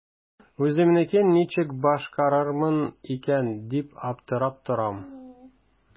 Үземнекен ничек башкарырмын икән дип аптырап торам.